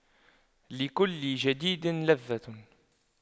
لكل جديد لذة